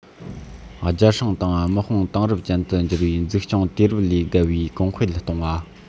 རྒྱལ སྲུང དང དམག དཔུང དེང རབས ཅན དུ འགྱུར བའི འཛུགས སྐྱོང དུས རབས ལས བརྒལ བའི གོང འཕེལ གཏོང བ